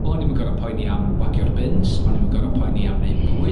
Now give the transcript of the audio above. oni'm yn goro poeni am wagio'r bins oni'm yn goro poeni am neu bwyd